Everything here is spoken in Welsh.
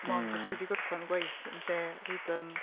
Mond os dwi 'di gorffen gwaith yn lle wneud o'n...